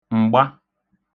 m̀gba